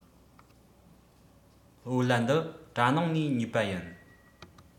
བོད ལྭ འདི གྲ ནང ནས ཉོས པ ཡིན